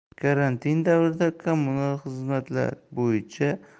karantin davrida kommunal xizmatlar bo'yicha